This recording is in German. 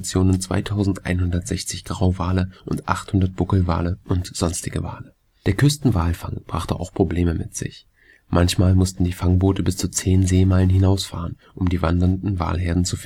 2160 Grauwale und 800 Buckelwale und sonstige Wale. Der Küstenwalfang brachte auch Probleme mit sich. Manchmal mussten die Fangboote bis zu 10 Seemeilen hinausfahren, um die wandernden Walherden zu